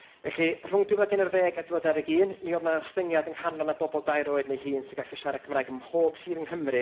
Felly, rhwng dwy fil ac unarddeg a dwy fil a dau ddeg un, mi oedd 'na ostyngiad yng nghanran y nobl dair oed neu hun sy'n gallu siarad Cymraeg ym mhob sir yng Nghymru